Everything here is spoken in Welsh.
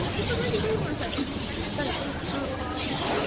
It’s a really weird one, it’s like… be-re bw-bw… is it?